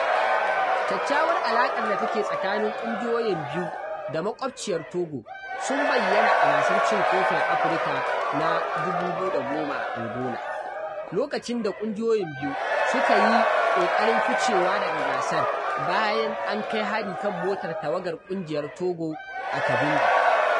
Ƙwaƙƙwarar alaƙar da take tsakanin ƙungiyoyin biyu da maƙwabciyar Togo sun bayyana a Gasar Cin Kofin Afirka na 2010 a Angola, lokacin da ƙungiyoyin biyu suka yi ƙoƙarin ficewa daga gasar bayan an kai hari kan motar tawagar ƙungiyar Togo a Cabinda.